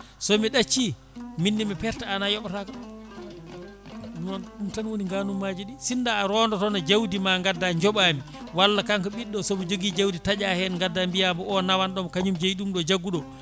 somi ɗacci minne mi perta an a yooɓata kam noon ɗum tan woni ganummaji ɗi sinno a rondotono jawdi ma gadda jooɓami walla kanko ɓiɗɗo o somo joogui jawdi taaƴa hen gadda mbiya ko nawanɗoma kañum jeeyi ɗum ɗo jaggu ɗo